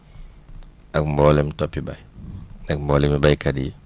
ak mboolem topp i baay ak mboolemu béykat yi